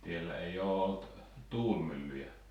täällä ei ole ollut tuulimyllyjä